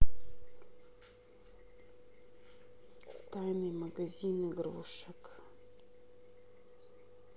тайный магазин игрушек